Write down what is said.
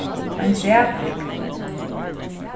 ein træbrúgv